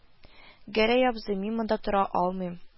– гәрәй абзый, мин монда тора алмыйм